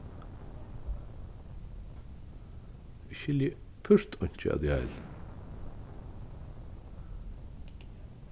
eg skilji púrt einki av tí heila